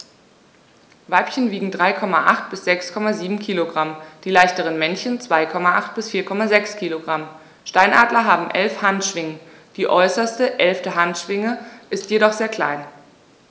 Weibchen wiegen 3,8 bis 6,7 kg, die leichteren Männchen 2,8 bis 4,6 kg. Steinadler haben 11 Handschwingen, die äußerste (11.) Handschwinge ist jedoch sehr klein.